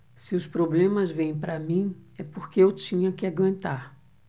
se os problemas vêm para mim é porque eu tinha que aguentar